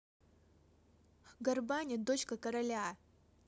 горбаня дочка короля